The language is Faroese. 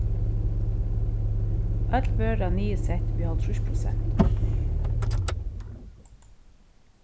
øll vøra niðursett við hálvtrýss prosentum